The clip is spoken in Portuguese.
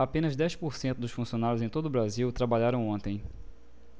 apenas dez por cento dos funcionários em todo brasil trabalharam ontem